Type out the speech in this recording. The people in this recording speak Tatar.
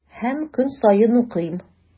Һәм көн саен укыйм.